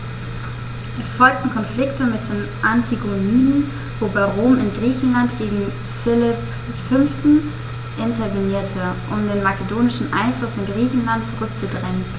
Es folgten Konflikte mit den Antigoniden, wobei Rom in Griechenland gegen Philipp V. intervenierte, um den makedonischen Einfluss in Griechenland zurückzudrängen.